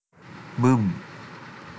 บึ้ม